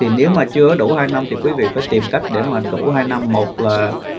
thì nếu mà chưa có đủ hai năm thì quý vị phải tìm cách để mà đủ hai năm một là